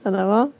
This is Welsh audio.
Dyna fo.